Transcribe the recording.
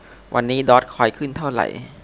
วันนี้ดอร์จคอยขึ้นเท่าไหร่